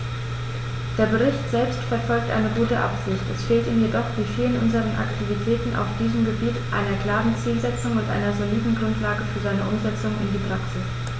Der Bericht selbst verfolgt eine gute Absicht, es fehlt ihm jedoch wie vielen unserer Aktivitäten auf diesem Gebiet an einer klaren Zielsetzung und einer soliden Grundlage für seine Umsetzung in die Praxis.